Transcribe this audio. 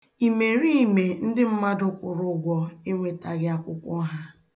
Imeerime ndị mmadụ kwụrụ ụgwọ enwetaghị akwụkwọ ha.